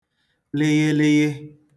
lịghịlịghị